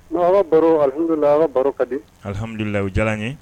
Ala baro ala baro ka di alihamdulila diyara ye